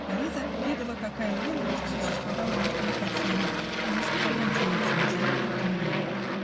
а Лиза ведала, какая ненависть существовала между их отцами, и не смела надеяться на взаимное примирение.